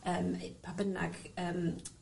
yym ei- pa bynnag yym